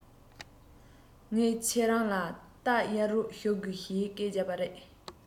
ངས ཁྱེད རང ལ རྟ གཡར རོགས ཞུ དགོས ཞེས སྐད རྒྱབ པ རེད